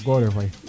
waa goore waay